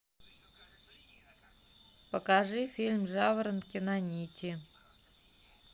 покажи фильм жаворонки на нити